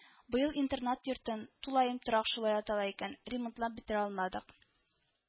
Быел интернат йортын тулаем торак шулай атала икән ремонтлап бетерә алмадык